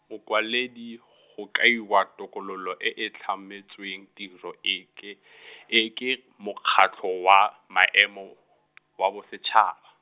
mokwaledi go kaiwa tokololo e e tlhometsweng tiro e ke , e ke Mokgatlho wa maemo , wa Bosetšhaba.